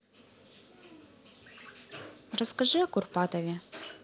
расскажи о курпатове